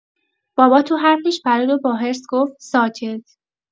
بابا تو حرفش پرید و با حرص گفت: ساکت!